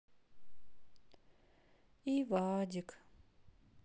и вадик